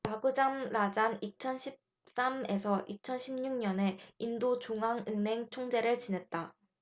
라구람 라잔 이천 십 삼 에서 이천 십 육 년에 인도 중앙은행 총재를 지냈다